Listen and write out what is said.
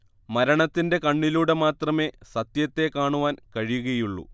മരണത്തിന്റെ കണ്ണിലൂടെ മാത്രമേ സത്യത്തെ കാണുവാൻ കഴിയുകയുള്ളു